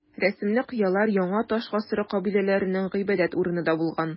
Рәсемле кыялар яңа таш гасыры кабиләләренең гыйбадәт урыны да булган.